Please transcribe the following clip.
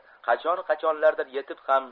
qachon qachonlardir yetib ham